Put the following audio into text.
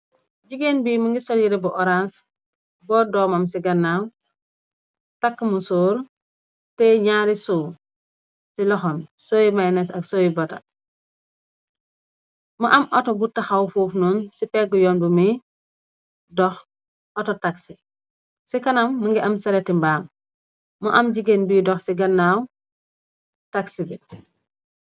Jigéen bi mu ngi sol yireh bu oranse boot doomam cii gannaaw takk mu sóor teyeh ñyaari suwu ci loxam. Sooy yi maynees ak sooyu butter. Mu am auto bu taxaw fuuf noon ci pegg yoon bi muy dox auto taxi. Ci kanam mu ngi am sareti mbaam, mu am jigéen bi dox ci gannaaw taxi bi.